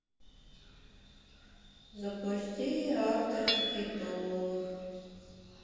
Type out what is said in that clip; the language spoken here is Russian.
запусти авторский тур